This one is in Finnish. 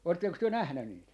oletteko te nähnyt niitä